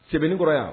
Sɛbɛnni kɔrɔ yan